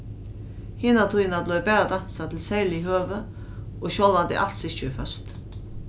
hina tíðina bleiv bara dansað til serlig høvi og sjálvandi als ikki í føstu